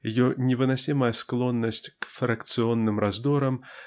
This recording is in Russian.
ее невыносимая склонность к фракцион-ным раздорам